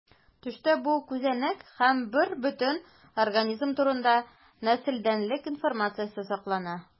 Төштә бу күзәнәк һәм бербөтен организм турында нәселдәнлек информациясе саклана.